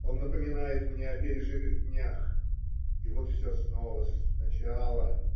Он напоминает мне о пережитых днях, и вот все снова, сначала.